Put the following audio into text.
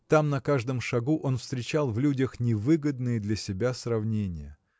Там на каждом шагу он встречал в людях невыгодные для себя сравнения.